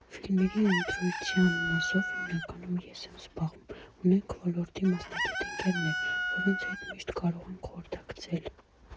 Ֆիլմերի ընտրության մասով հիմնականում ես եմ զբաղվում, ունենք ոլորտի մասնագետ ընկերներ, որոնց հետ միշտ կարող ենք խորհրդակցել։